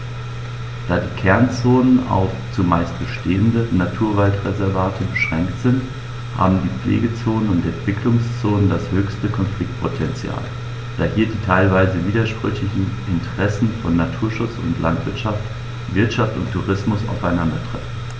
Da die Kernzonen auf – zumeist bestehende – Naturwaldreservate beschränkt sind, haben die Pflegezonen und Entwicklungszonen das höchste Konfliktpotential, da hier die teilweise widersprüchlichen Interessen von Naturschutz und Landwirtschaft, Wirtschaft und Tourismus aufeinandertreffen.